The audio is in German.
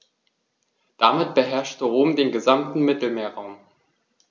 Damit beherrschte Rom den gesamten Mittelmeerraum.